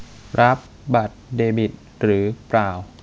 รับบัตรเดบิตหรือเปล่า